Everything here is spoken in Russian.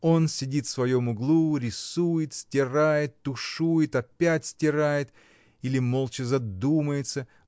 Он сидит в своем углу, рисует, стирает, тушует, опять стирает или молча задумается